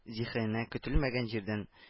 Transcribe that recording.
Зиһененә көтелмәгән җирдән